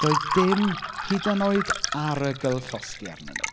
Doedd dim hyd yn oed arogl llosgi arnyn nhw.